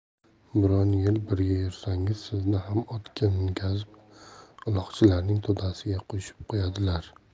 biron yil birga yursangiz sizni ham otga mingazib uloqchilarning to'dasiga qo'shib qo'yadilar